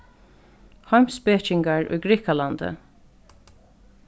heimspekingar í grikkalandi